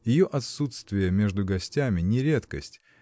Ее отсутствие между гостями — не редкость